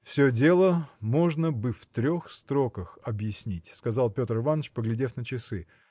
– Все дело можно бы в трех строках объяснить – сказал Петр Иваныч поглядев на часы